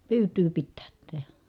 pyytöä pitää tehdä